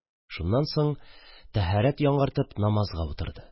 Шуннан соң тәһәрәт яңартып, намазга утырды.